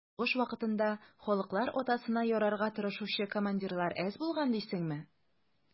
Сугыш вакытында «халыклар атасына» ярарга тырышучы командирлар әз булган дисеңме?